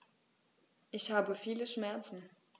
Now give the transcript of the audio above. Ich habe viele Schmerzen.